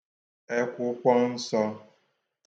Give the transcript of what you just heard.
ekwukwọ nsō